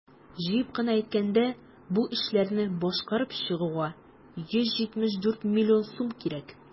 Җыеп кына әйткәндә, бу эшләрне башкарып чыгуга 174 млн сум кирәк.